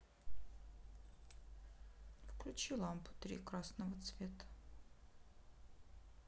включи лампу три красного цвета